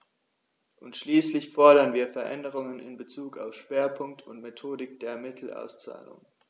Und schließlich fordern wir Veränderungen in bezug auf Schwerpunkt und Methodik der Mittelauszahlung.